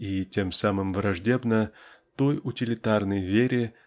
а тем самым и враждебно той утилитарной вере